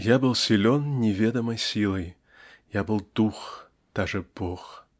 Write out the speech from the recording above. Я был силен неведомой силой; я был дух, даже бог.